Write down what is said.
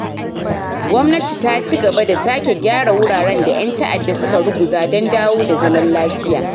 Gwamnati ta ci gaba da sake gyara wuraren da 'yan ta'adda suka ruguza don dawo da zaman lafiya.